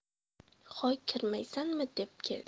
hoy kirmaysanmi deb ketdi